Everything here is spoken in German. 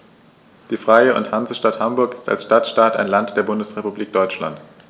Die Freie und Hansestadt Hamburg ist als Stadtstaat ein Land der Bundesrepublik Deutschland.